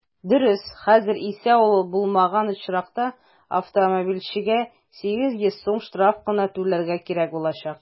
Дөрес, хәзер исә ул булмаган очракта автомобильчегә 800 сум штраф кына түләргә кирәк булачак.